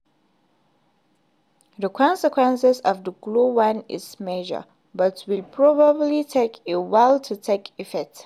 The consequences of the Glo-1 are major, but will probably take a while to take effect.